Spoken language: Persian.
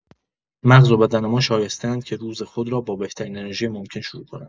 مغز و بدن ما شایسته‌اند که روز خود را با بهترین انرژی ممکن شروع کنند.